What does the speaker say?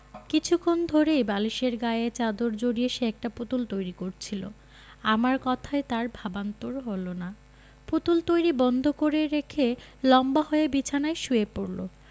কিছুক্ষণ ধরেই বালিশের গায়ে চাদর জড়িয়ে সে একটা পুতুল তৈরি করছিলো আমার কথায় তার ভাবান্তর হলো না পুতুল তৈরী বন্ধ করে রেখে লম্বা হয়ে বিছানায় শুয়ে পড়লো